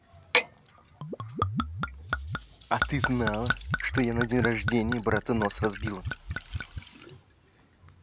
а ты знала что я на день рождения брата нос разбила